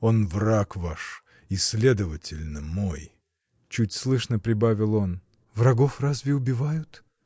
— Он враг ваш и, следовательно, мой. — чуть слышно прибавил он. — Врагов разве убивают?